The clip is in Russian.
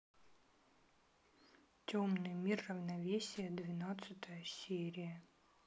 темный мир равновесие двенадцатая серия